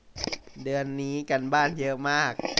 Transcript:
เดือนนี้การบ้านเยอะมาก